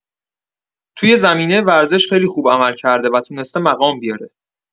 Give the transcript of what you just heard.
توی زمینه ورزش خیلی خوب عمل کرده و تونسته مقام بیاره.